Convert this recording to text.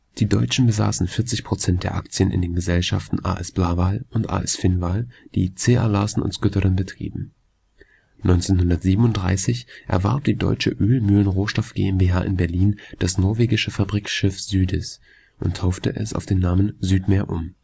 Die Deutschen besaßen 40 % der Aktien in den Gesellschaften „ A/S Blaahval “und „ A/S Finhval “, die C.A. Larsen und Skytteren betrieben. 1937 erwarb die deutsche „ Ölmühlen Rohstoff GmbH “in Berlin das norwegische Fabrikschiff Sydis und taufte es auf den Namen Südmeer um